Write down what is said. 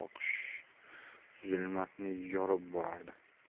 oqish zulmatni yorib borardi